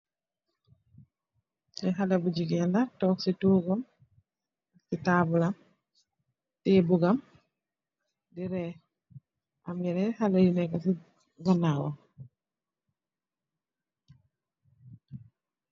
Kee haleh bu jegain la tonke se toogum se tabulam teye bogam de rerr am yenen haleh yu neka se ganawam.